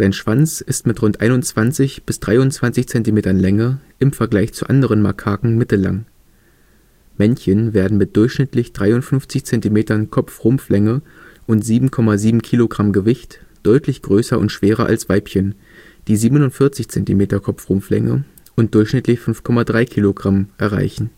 Schwanz ist mit rund 21 bis 23 Zentimetern Länge im Vergleich zu anderen Makakenarten mittellang. Männchen werden mit durchschnittlich 53 Zentimetern Kopfrumpflänge und 7,7 Kilogramm Gewicht deutlich größer und schwerer als Weibchen, die 47 Zentimeter Kopfrumpflänge und durchschnittlich 5,3 Kilogramm erreichen